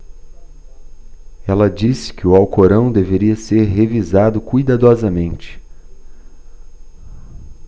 ela disse que o alcorão deveria ser revisado cuidadosamente